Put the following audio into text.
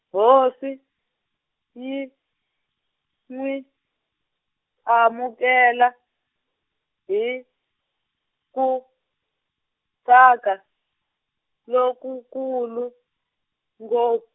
hosi, yi, n'wi, amukela, hi, ku, tsaka, lokukulu, ngo-.